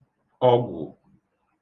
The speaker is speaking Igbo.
ọgwụ̀